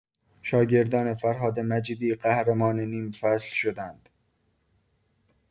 شاگردان فرهاد مجیدی قهرمان نیم‌فصل شدند.